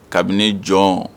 Kabini jɔn